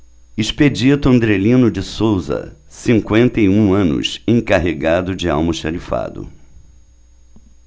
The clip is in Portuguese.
expedito andrelino de souza cinquenta e um anos encarregado de almoxarifado